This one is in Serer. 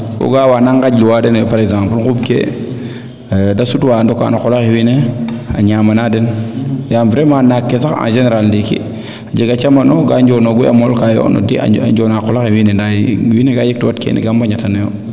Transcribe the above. ko ga'a waana ngaƴlu wa den par exemple ŋumb ke de sutwa ndoka naxa qola xe wiin we a ñama na den yaam vraiment naak ke sax en general ndiiki a jega camano ka njono gu a mol kaayo a njoona qola ke wiin we nda wiin we ga yegtu wat keene ke mbañatano yo